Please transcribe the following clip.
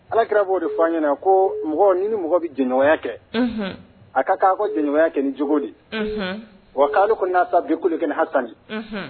Ala kirara b'o de fɔ ɲɛna ko mɔgɔ ni mɔgɔ bɛ jɛ kɛ a ka k'a ka jɛya kɛ cogo di wa'ale ko n'a ta bikululi kɛ ha tan ni